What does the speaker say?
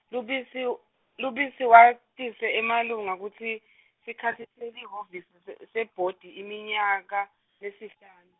Lubisi w-, Lubisi watise emalunga kutsi, sikhatsi selihhovisi se sebhodi iminyaka, lesihlanu.